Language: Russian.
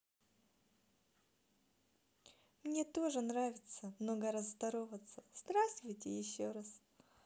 мне тоже нравится много раз здороваться здравствуйте еще раз